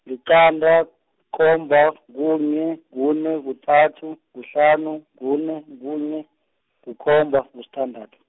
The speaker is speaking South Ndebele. liqanda, khomba, kunye, kune, kuthathu, kuhlanu, kune, kunye, kukhomba, nesithandathu.